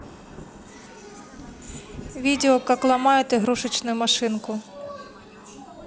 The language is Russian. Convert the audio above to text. видео как ломают игрушечную машинку